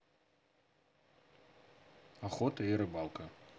охота и рыбалка